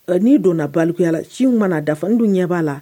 Ɔ, n'i donna balikuyala , sinw mana dafa, n dun ɲɛ b'a la